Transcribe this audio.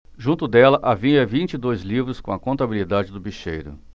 junto dela havia vinte e dois livros com a contabilidade do bicheiro